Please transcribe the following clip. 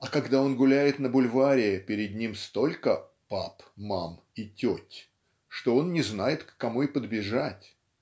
А когда он гуляет на бульваре перед ним столько "пап мам и теть" что он не знает к кому и подбежать.